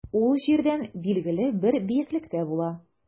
Ул җирдән билгеле бер биеклектә була.